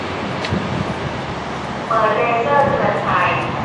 เปิดเลเซอร์เตือนภัย